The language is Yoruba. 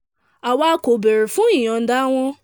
"Àwa kò bèèrè fún ìyànda wọn."